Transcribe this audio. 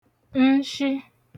nshi